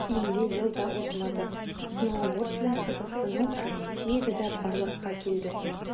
50 ел да узмады, сноуборд белән кызыксыну россиядә дә барлыкка килде.